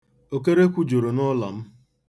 Okerekwu juru n'ụlọ m.